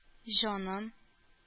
Җаным